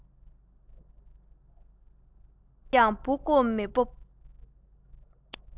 སུས ཀྱང འབུ རྐོ མི སྤོབས